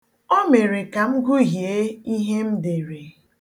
O mere ka m gụhiee ihe m dere.